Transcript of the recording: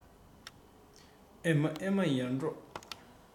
ཨེ མ ཨེ མ ཡར འབྲོག